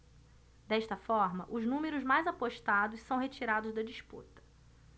dessa forma os números mais apostados são retirados da disputa